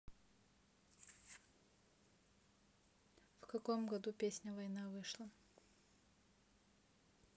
в каком году песня война вышла